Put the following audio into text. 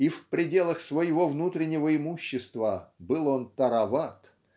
и в пределах своего внутреннего имущества был он тароват